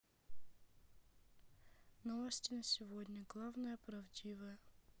новости на сегодня главное правдивое